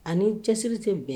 Ani cɛsiri tɛ bɛn.